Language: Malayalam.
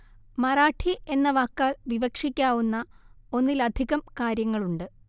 മറാഠി എന്ന വാക്കാൽ വിവക്ഷിക്കാവുന്ന ഒന്നിലധികം കാര്യങ്ങളുണ്ട്